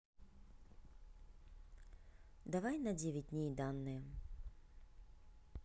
давай на девять дней данные